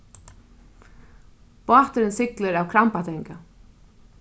báturin siglir av krambatanga